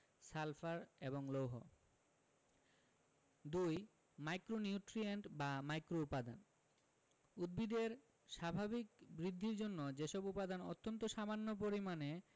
sulphur এবং লৌহ ২ micronutrient বা মাইক্রোউপাদান উদ্ভিদের স্বাভাবিক বৃদ্ধির জন্য যেসব উপাদান অত্যন্ত সামান্য পরিমাণে